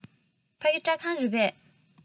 ཕ གི སྐྲ ཁང རེད པས